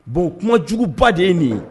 Bon o kuma juguba de ye nin ye